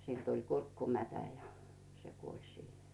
sille tuli kurkkumätä ja se kuoli siihen